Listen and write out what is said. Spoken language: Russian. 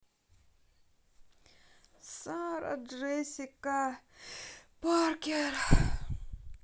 сара джессика паркер